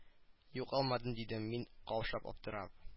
Юк алмадым дидем мин каушап аптырап